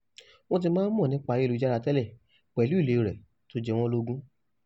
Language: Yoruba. - Wọ́n ti máa ń mọ̀ nípa Ayélujára tẹ́lẹ̀, pẹ̀lú ìlò rẹ̀ tí ó jẹ wọ́n lógún.